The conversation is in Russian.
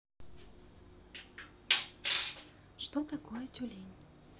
что такое тюлень